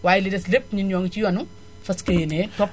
waaye li des lépp ñun ñoo ngi si yoonu fas yéenee topp